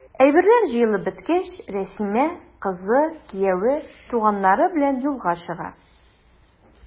Әйберләр җыелып беткәч, Рәсимә, кызы, кияве, туганнары белән юлга чыга.